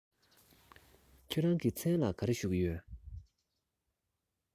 ཁྱེད རང གི མཚན ལ ག རེ ཞུ གི ཡོད